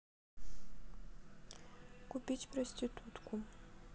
купить проститутку